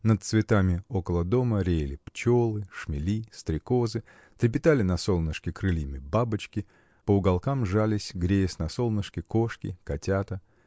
Над цветами около дома реяли пчелы, шмели, стрекозы, трепетали на солнышке крыльями бабочки, по уголкам жались, греясь на солнышке, кошки, котята.